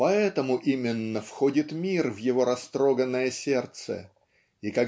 Поэтому именно входит мир в его растроганное сердце и